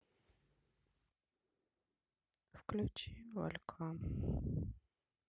включи валька